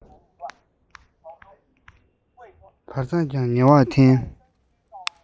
བར ཐག ཀྱང ཉེ བར འཐེན